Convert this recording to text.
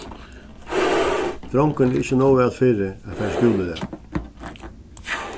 drongurin er ikki nóg væl fyri at fara í skúla í dag